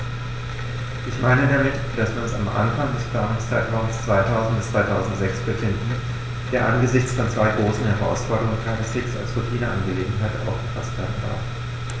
Ich meine damit, dass wir uns am Anfang des Planungszeitraums 2000-2006 befinden, der angesichts von zwei großen Herausforderungen keineswegs als Routineangelegenheit aufgefaßt werden darf.